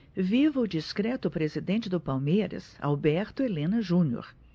viva o discreto presidente do palmeiras alberto helena junior